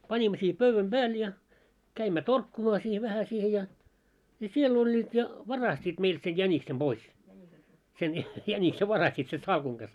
panimme siihen pöydän päälle ja kävimme torkkumaan siihen vähän siihen ja ja siellä olivat ja varastivat meiltä sen jäniksen pois sen jäniksen varastivat sen salkun kanssa